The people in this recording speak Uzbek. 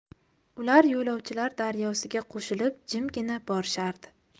ular yo'lovchilar daryosiga qo'shilib jimgina borishardi